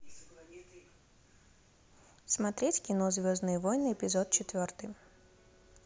смотреть кино звездные войны эпизод четвертый